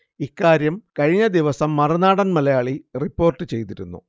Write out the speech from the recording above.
ഇക്കാര്യം കഴിഞ്ഞ ദിവസം മറുനാടൻ മലയാളി റിപ്പോർട്ട് ചെയ്തിരുന്നു